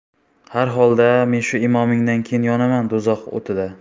har holda men shu imomingdan keyin yonaman do'zax o'tida